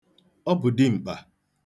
Ọ bụ dimkpa.